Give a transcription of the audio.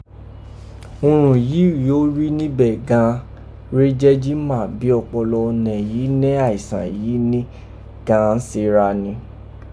Urun yìí ó rí níbé yìí gan an rèé jẹ́ jí mà bí ọpọlọ ọnẹ yìí nẹ́ àìsàn èyí ni gan an se gha rin.